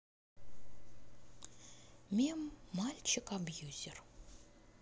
мем мальчик абьюзер